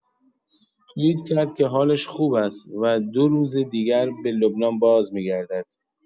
توئیت کرد که حالش خوب است و دو روز دیگر به لبنان بازمی‌گردد.